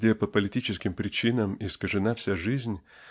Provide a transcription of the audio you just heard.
где по политическим причинам искажена вся жизнь